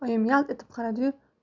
oyim yalt etib qaradi yu